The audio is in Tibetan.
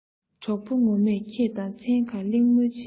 གྲོགས པོ ངོ མས ཁྱེད དང མཚན གང གླེང མོལ བྱས